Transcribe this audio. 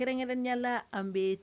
Grɛnkɛrɛnyala an bɛ